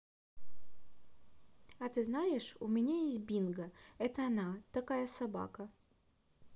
а ты знаешь у меня есть bingo это она такая собака